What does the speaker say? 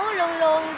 lứi